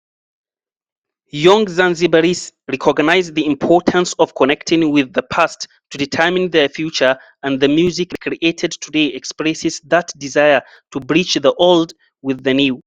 Young Zanzibaris recognize the importance of connecting with the past to determine their future and the music created today expresses that desire to bridge the old with the new.